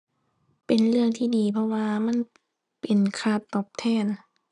เป็นเรื่องที่ดี เพราะว่ามันเป็นค่าตอบแทน